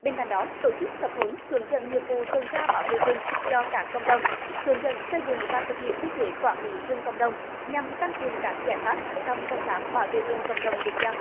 bên cạnh đó tổ chức tập huấn hướng dẫn nghiệp vụ tuần tra bảo vệ rừng cho các cộng đồng hướng dẫn xây dựng và thực hiện quy chế quản lý rừng cộng đồng nhằm tăng cường các giải pháp trong công tác bảo vệ rừng cộng đồng được giao